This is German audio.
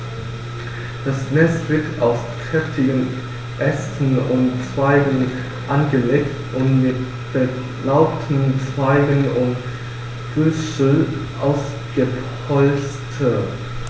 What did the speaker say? Das Nest wird aus kräftigen Ästen und Zweigen angelegt und mit belaubten Zweigen und Büscheln ausgepolstert.